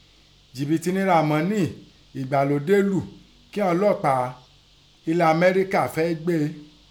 Jìbìtì nẹ Ràmọ́nì ẹ̀gbàlódé lù kí ìghọn ọlọ́pàá hẹlẹ̀ Amọ́ríkà fẹ gbé e.